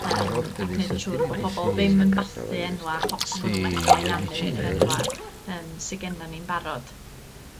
yym a gneud yn siŵr bo' pobol ddim yn bathu enwa' achos bo' nw methu ynganu yr enwa' yym sy gennan ni'n barod.